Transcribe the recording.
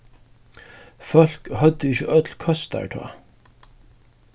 fólk høvdu ikki øll køstar tá